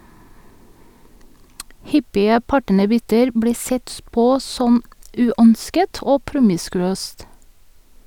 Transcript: Hyppige partnerbytter blir sett på som uønsket og promiskuøst.